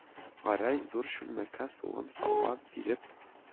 Гәрәй зур чүлмәккә суын сала биреп: